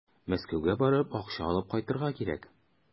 Мәскәүгә барып, акча алып кайтырга кирәк.